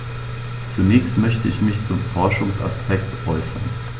Zunächst möchte ich mich zum Forschungsaspekt äußern.